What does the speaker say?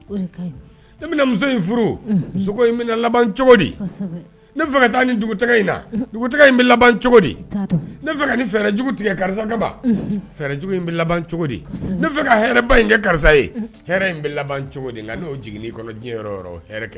Ne bɛna muso in furu sogo in laban cogo ne ka taa ni in in bɛ laban cogo nejugu tigɛ karisakajugu in bɛ laban cogo ne fɛ kaba in kɛ karisa ye in bɛ laban cogo n'o jigin kɔnɔ diɲɛ kɛ